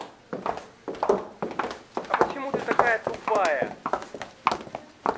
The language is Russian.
а почему ты такая тупая